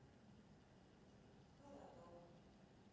холодок